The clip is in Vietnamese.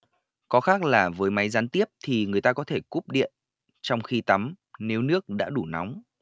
có khác là với máy gián tiếp thì người ta có thể cúp điện trong khi tắm nếu nước đã đủ nóng